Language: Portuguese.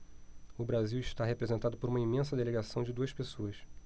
o brasil está representado por uma imensa delegação de duas pessoas